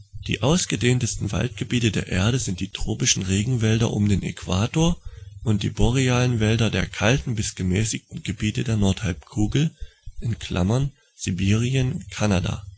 Die ausgedehntesten Waldgebiete der Erde sind die tropischen Regenwälder um den Äquator und die borealen Wälder der kalten bis gemäßigten Gebiete der Nordhalbkugel (Sibirien, Kanada